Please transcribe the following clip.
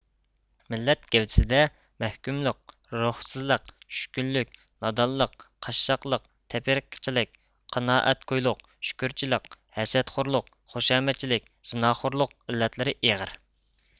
مىللەت گەۋدىسىدە مەھكۇملۇق روھسىزلىق چۈشكۈنلۈك نادانلىق قاششاقلىق تەپرىقىچىلىك قانائەتكويلۇق شۈكرىچىلىك ھەسەتخورلۇق خۇشامەتچىلىك زىناخورلۇق ئىللەتلىرى ئېغىر